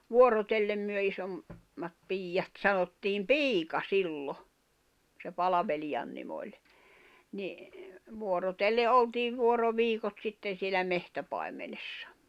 vuorotellen me - isommat piiat sanottiin piika silloin se palvelijan nimi oli niin vuorotellen oltiin vuoroviikot sitten siellä metsäpaimenessa